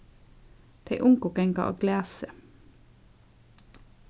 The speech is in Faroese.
tey ungu ganga á glasi